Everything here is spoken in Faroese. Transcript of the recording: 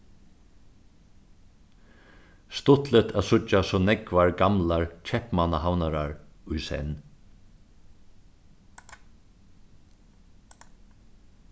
stuttligt at síggja so nógvar gamlar keypmannahavnarar í senn